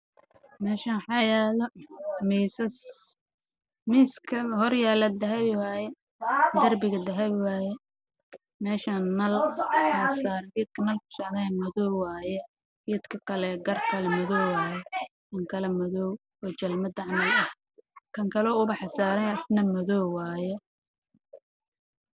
Meeshaan waxaa yaalo miisas